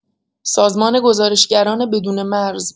سازمان گزارشگران بدون مرز